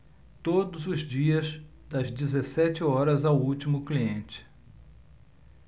todos os dias das dezessete horas ao último cliente